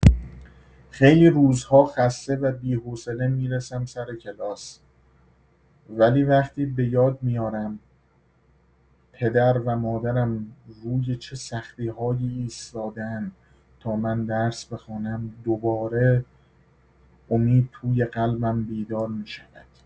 خیلی روزها خسته و بی‌حوصله می‌رسم سر کلاس، ولی وقتی بۀاد می‌آورم پدر و مادرم روی چه سختی‌هایی ایستاده‌اند تا من درس بخوانم، دوباره امید توی قلبم بیدار می‌شود.